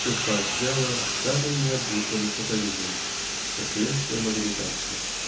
что поощряла самый необузданный фатализм -- настоящее магометанство.